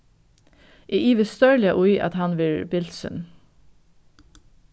eg ivist stórliga í at hann verður bilsin